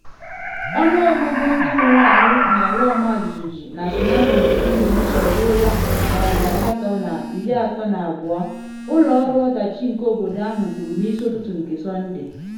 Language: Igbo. Ọnụọgụgụ ndị nwụrụ anwụ na ala ọmajijiji na tsunami nke Indonesia eruola 832, ụlọ ọrụ ọdachi nke obodo ahụ kwuru na isi ụtụtụ nke Sonde.